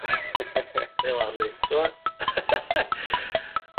Fel 'a mynd t'mo'?